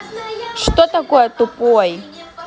что такое тупой